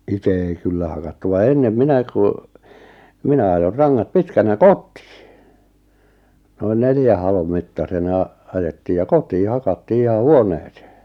itse ei kyllä hakattu vaan ennen minä kun minä ajoin rangat pitkänä kotiin noin neljän halon mittaisena ajettiin ja kotiin hakattiin ihan huoneeseen